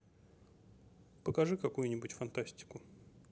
покажи какую нибудь фантастику